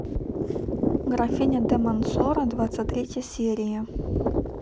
графиня де монсоро двадцать третья серия